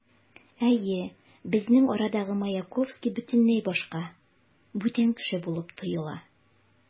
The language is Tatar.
Әйе, безнең арадагы Маяковский бөтенләй башка, бүтән кеше булып тоела.